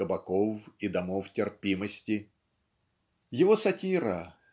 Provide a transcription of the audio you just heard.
кабаков и домов терпимости. " Его сатира